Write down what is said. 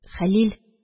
Хәлил